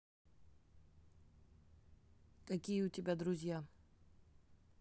какие у тебя друзья